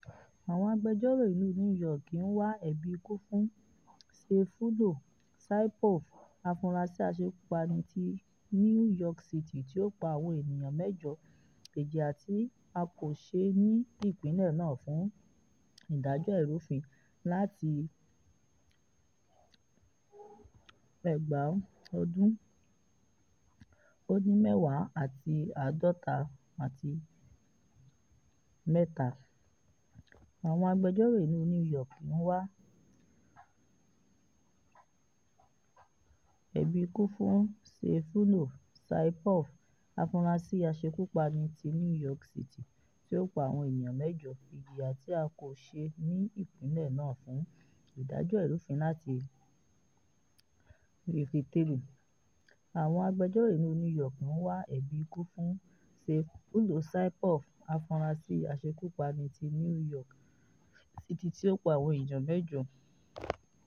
Àwọn agbẹjọrò ìlú New York ń wá ẹbi ikú fún Sayfullo Saipov, afurasí aṣekúpani ti New York City tí ó pa àwọn ènìyàn mẹjọ - -ìjìyà tí a kò ṣe ní Ìpínlẹ̀ náà fún ìdájọ́ ìrúfin láti 1953.